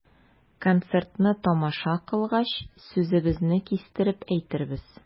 Концертны тамаша кылгач, сүзебезне кистереп әйтербез.